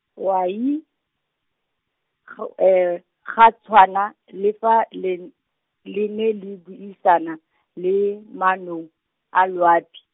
owai, g- ga tshwana, le fa le n-, le ne le buisana, le manong, a loapi.